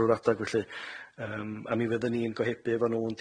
drw'r adag felly yym a mi fyddwn ni'n gohebu efo n'w yn